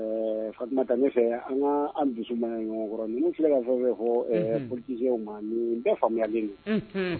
Fa dan ne fɛ an ka an dusu mana ɲɔgɔnkɔrɔ ninnu filɛ ka fɛn bɛ fɔ pdisew ma bɛɛ faamuyalen